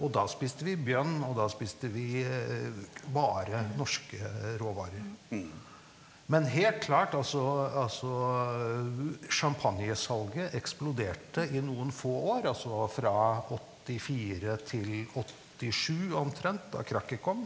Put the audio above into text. og da spiste vi bjørn og da spiste vi bare norske råvarer, men helt klart altså altså sjampanjesalget eksploderte i noen få år altså fra 84 til 87 omtrent da krakket kom.